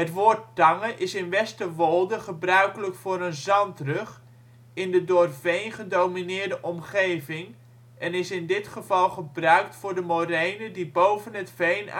woord tange is in Westerwolde gebruikelijk voor een zandrug in de door veen gedomineerde omgeving en is in dit geval gebruikt voor de morene die boven het veen uitstak